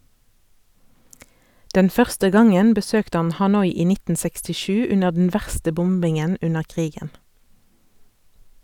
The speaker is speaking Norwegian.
Den første gangen besøkte han Hanoi i 1967 under den verste bombingen under krigen.